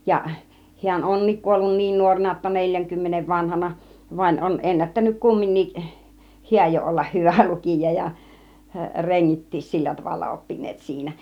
ja hän onkin kuollut niin nuorena jotta neljänkymmenen vanhana vaan on ennättänyt kumminkin hän jo olla hyvä lukija ja rengitkin sillä tavalla oppineet siinä